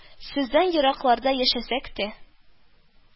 Сездән еракларда яшәсәк тә